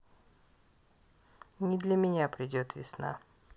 не для меня придет весна